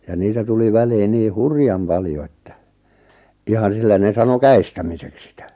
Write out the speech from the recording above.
ja niitä tuli väliin niin hurjan paljon että ihan sillä ne sanoi käestämiseksi sitä